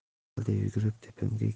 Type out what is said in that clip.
vali yugurib tepamga